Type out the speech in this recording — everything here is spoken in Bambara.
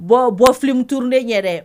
Bɔ bɔ filimuturu de ɲɛ dɛ